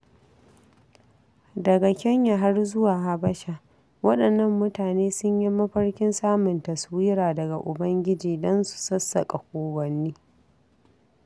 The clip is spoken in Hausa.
Daga Kenya har zuwa Habasha, waɗannan mutane sun yi mafarkin samun "taswira" daga ubangiji don su sassaƙa kogwanni.